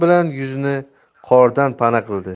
bilan yuzini qordan pana qildi